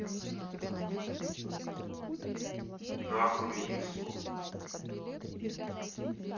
нахуй иди со